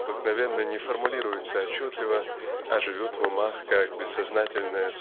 обыкновенно не формулируется отчетливо а живет в умах как бессознательная